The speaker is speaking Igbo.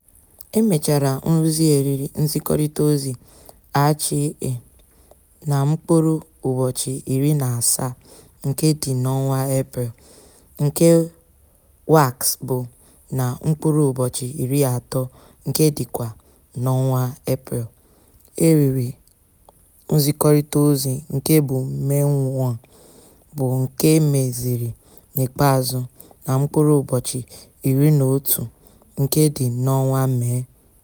Emechara nrụzi eriri nzikọrịtaozi ACE na mkpụrụ ụbọchị iri na asaa nke dị n'ọnwa Eprel, nke WACS bụ na mkpụrụ ụbọchị iri atọ nke dịkwa n'ọnwa Eprel, eriri nzikọrịtaozi nke bụ MainOne bụ nke e meziri n'ikpeazụ na mkpụrụ ụbọchị iri na otu nke dị n'ọnwa Mee.